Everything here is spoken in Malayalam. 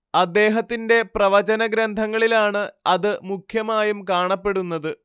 അദ്ദേഹത്തിന്റെ പ്രവചനഗ്രന്ഥങ്ങളിലാണ് അത് മുഖ്യമായും കാണപ്പെടുന്നത്